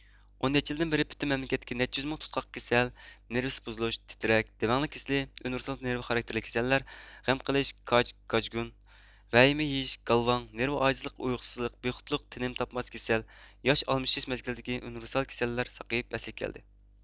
ئون نەچچە يىلدىن بېرى پۈتۈن مەملىكەتتىكى نەچچە يۈز مىڭ تۇتقاق كېسەل نېرۋىسى بۇزۇلۇش تىترەك دېۋەڭلىك كېسىلى ئۇنىۋېرسال نېرۋا خاراكتېرلىك كېسەللەر غەم قىلىش كاج گاجگۇن ۋەھىمە يېيىش گالۋاڭ نېرۋا ئاجىزلىق ئۇيقۇسىزلىق بىخۇدلۇق تىنىم تاپماس كېسەل ياش ئالمىشىش مەزگىلىدىكى ئۇنىۋېرسال كېسەللەر ساقىيىپ ئەسلىگە كەلدى